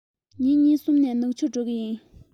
ཉིན གཉིས གསུམ ནས ནག ཆུར འགྲོ གི ཡིན